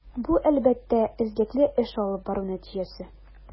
Бу, әлбәттә, эзлекле эш алып бару нәтиҗәсе.